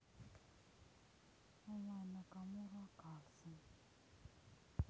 онлайн накамура карлсен